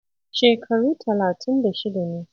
Shekaru 36 ne.